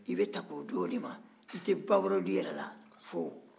i bɛ ta k'i d'o de ma i tɛ ba wɛrɛ dɔn i yɛrɛ la fɔ o